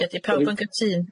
Ie ydi pawb yn cytun?